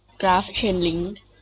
กราฟเชนลิ้ง